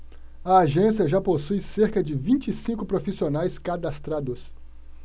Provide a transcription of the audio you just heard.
a agência já possui cerca de vinte e cinco profissionais cadastrados